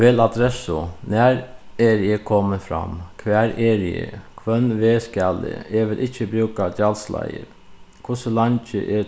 vel adressu nær eri eg komin fram hvar eri eg hvønn veg skal eg eg vil ikki brúka gjaldsleiðir hvussu leingi er